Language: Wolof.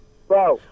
waaw